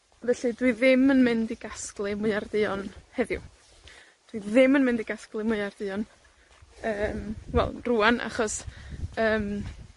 felly, dwi ddim yn mynd i gasglu mwyar duon heddiw. Dwi ddim yn mynd i'r gasglu mwyar duon, yym, wel, rŵan, achos, yym,